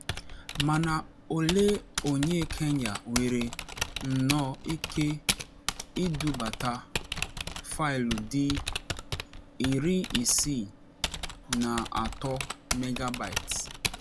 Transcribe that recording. Mana olee onye Kenya nwere nnọọ ike ịbudata faịlụ dị 63 MB?